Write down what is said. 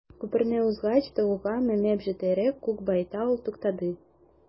Күперне узгач, тауга менеп җитәрәк, күк байтал туктады.